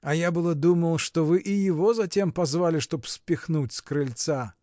А я было думал, что вы и его затем позвали, чтоб спихнуть с крыльца.